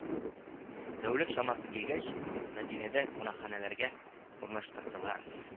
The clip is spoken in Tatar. Тәүлек чамасы килгәч, Мәдинәдә кунакханәләргә урнаштырдылар